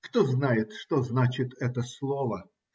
Кто знает, что значит это слово!